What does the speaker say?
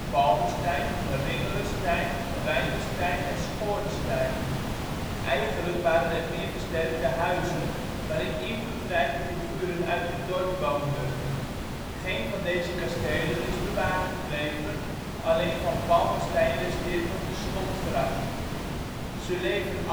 Palmestein, Ringelestein, Reynestein en Schorestein. Eigenlijk waren het meer versterkte huizen, waarin invloedrijke figuren uit dit dorp woonden. Geen van deze kastelen is bewaard gebleven (alleen van Palmestein resteert nog de slotgracht), ze leven